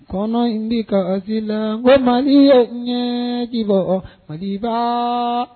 in b'i kasi la nko Mali ye ɲɛjibɔ Malibaa.